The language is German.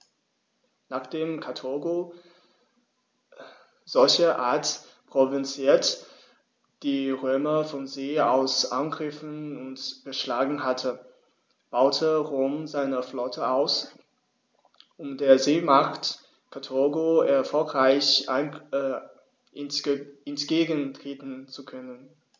Nachdem Karthago, solcherart provoziert, die Römer von See aus angegriffen und geschlagen hatte, baute Rom seine Flotte aus, um der Seemacht Karthago erfolgreich entgegentreten zu können.